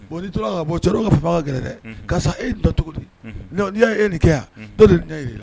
O ni'i tora ka bon cɛ ka fɛ fanga ka gɛrɛ dɛ ka e nin tuguni di'i y'ae nin kɛ yan to de ye